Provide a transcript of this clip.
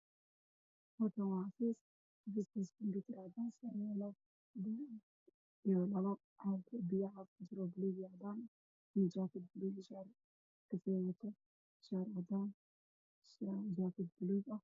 Waa niman ku fadhiya kuraas jaalle ah oo qabo suud madow ah computer ayaa horyaalo